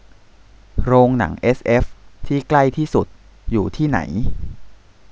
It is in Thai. โรงหนังเอสเอฟที่ใกล้ที่สุดอยู่ที่ไหน